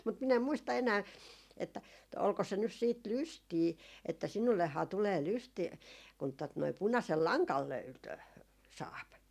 mutta minä en muista enää että oliko se nyt sitten lystiä että sinullehan tulee lystiä kun tuota noin punaisen langan - saa